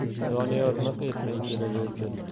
doniyor miq etmay kelaverdi